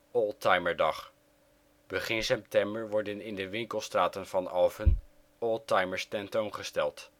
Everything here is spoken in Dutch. Oldtimerdag: Begin september worden in de winkelstraten van Alphen Oldtimers tentoongesteld